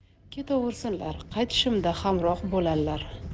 ketovursinlar qaytishimda hamroh bo'lallar